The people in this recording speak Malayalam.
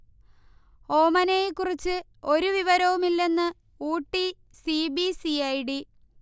ഓമനയെ കുറിച്ച് ഒരു വിവരവുമില്ലെന്ന് Ooty C. B. C. I. D